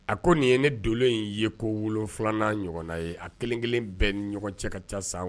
A ko nin ye ne do in ye ko wolo filanan ɲɔgɔn na ye a kelen- kelen bɛ ɲɔgɔn cɛ ka ca san